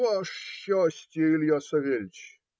- Ваше счастье, Илья Савельич.